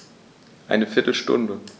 Eine viertel Stunde